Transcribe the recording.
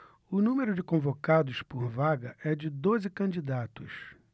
o número de convocados por vaga é de doze candidatos